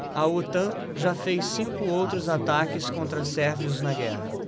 a otan já fez cinco outros ataques contra sérvios na guerra